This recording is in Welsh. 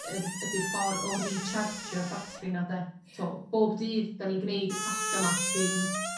yr ydi'r ffor o rechargio'r batri 'na 'de... Ia. ...so bob dydd 'dan ni'n gneud y tasga 'ma sy'n